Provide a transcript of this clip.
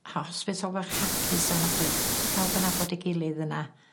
hospital bach hapus ofnadwy pawb yn nabod ei gilydd yna.